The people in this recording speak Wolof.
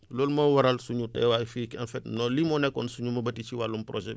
loolu moo waral sunu teewaay fii en fait non lii moo nekkoon sunu mëbët yi si wàllum projet bi